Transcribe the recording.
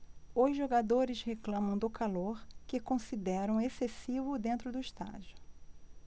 os jogadores reclamam do calor que consideram excessivo dentro do estádio